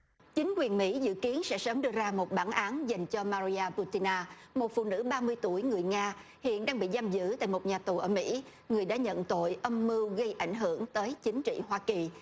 chính quyền mỹ dự kiến sẽ sớm đưa ra một bản án dành cho ma ri a tu ti la một phụ nữ ba mươi tuổi người nga hiện đang bị giam giữ tại một nhà tù ở mỹ người đã nhận tội âm mưu gây ảnh hưởng tới chính trị hoa kỳ